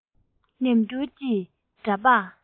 ཉམས འགྱུར གྱི འདྲ འབག